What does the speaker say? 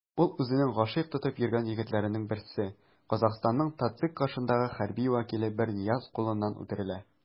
Ул үзенә гашыйк тотып йөргән егетләрнең берсе - Казахстанның ТатЦИК каршындагы хәрби вәкиле Бернияз кулыннан үтерелә.